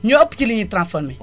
ñoo ëpp ci li ñuy transformé